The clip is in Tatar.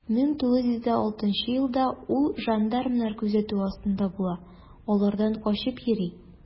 1906 елда ул жандармнар күзәтүе астында була, алардан качып йөри.